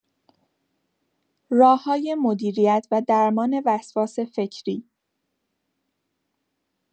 راه‌های مدیریت و درمان وسواس فکری